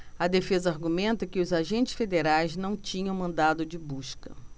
a defesa argumenta que os agentes federais não tinham mandado de busca